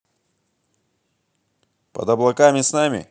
под облаками с нами